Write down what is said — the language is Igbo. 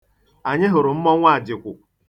Anyị hụrụ mmọnwụ Ajịkwụ.